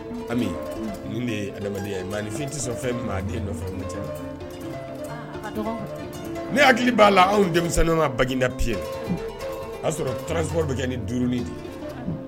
Ami unn nin de ye adamadenya ye maanifin ti sɔn fɛn min ma a den nɔfɛ ko tɛ a aa a ka dɔgɔn kɔni ne hakili b'a la anw denmisɛnnama Baguinda Piye unh o y'a sɔrɔ transport bɛ kɛ ni duruni de ye.